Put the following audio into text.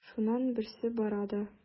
Шуннан берсе бара да:.